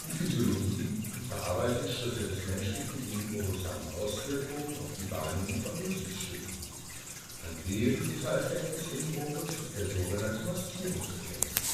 Physiologie und Verarbeitungsschritte des menschlichen Innenohres haben Auswirkungen auf die Wahrnehmung von Musikstücken. Ein wesentlicher Effekt des Innennohres ist der sogenannte Maskierungseffekt